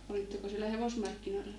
olitteko siellä hevosmarkkinoilla